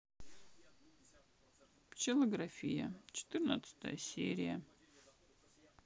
пчелография четырнадцатая серия